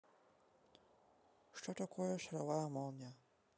что такое шаровая молния